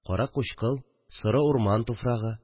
Кара-кучкыл, соры урман туфрагы